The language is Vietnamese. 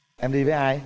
em đi với ai đi